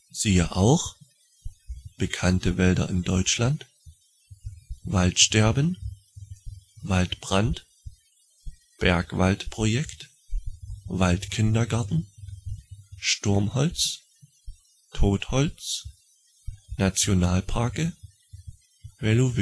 Siehe auch: Bekannte Wälder in Deutschland Waldsterben Waldbrand Bergwaldprojekt Waldkindergarten Sturmholz Totholz Nationalparke Veluwe